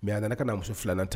Mɛ a nana ne ka' a muso filanan ta